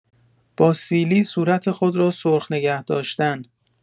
با سیلی صورت خود را سرخ نگه‌داشتن